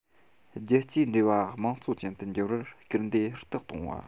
རྒྱལ སྤྱིའི འབྲེལ བ དམངས གཙོ ཅན དུ འགྱུར བར སྐུལ འདེད ཧུར ཐག གཏོང བ